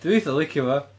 Dwi'n eitha licio fo.